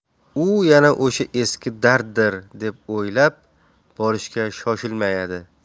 u yana o'sha eski darddir deb o'ylab borishga shoshilmadi